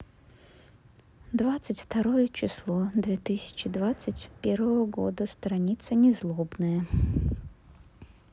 двадцать второе число две тысячи двадцать первого года станица незлобная